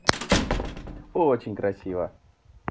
очень красиво